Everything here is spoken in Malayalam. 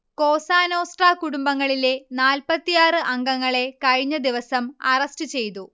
കോസാനോസ്ട്രാ കുടുംബങ്ങളിലെ നാല്പത്തിയാറ് അംഗങ്ങളെ കഴിഞ്ഞദിവസം അറസ്റ്റ് ചെയ്തു